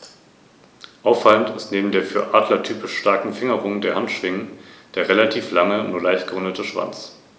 Über das Ansehen dieser Steuerpächter erfährt man etwa in der Bibel.